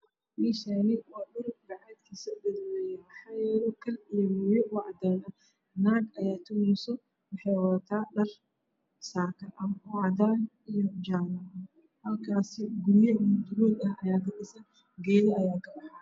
Meeshaan waa dhul bacaad kiisu gaduudan yahay kal iyo mooye oo cadaan ah naag ayaa tumeyso waxay wataa dhar saako ah oo cadaan iyo madow ah. Halkaas guryo ayaa ka dhisan geedana way kabaxaayaan.